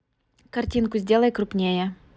картинку сделай крупнее